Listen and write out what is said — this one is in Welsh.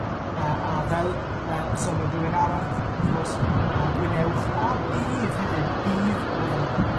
yy a fel yy soniodd rywun arall w'th wrth gwrs yy gwnewch a bydd hefyd. Bydd